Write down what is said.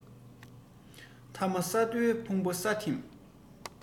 ཐ མ ས རྡོའི ཕུང པོ ས ཐིམ